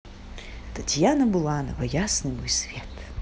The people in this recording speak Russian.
татьяна буланова ясный мой свет